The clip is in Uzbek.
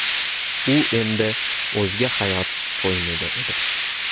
u endi o'zga hayot qo'ynida edi